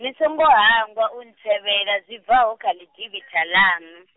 ni songo hangwa u ntsevhela zwi bvaho kha ḽidivhitha ḽaṋu.